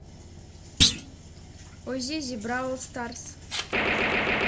оззи бравл старс